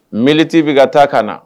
M ttii bɛ ka taa ka na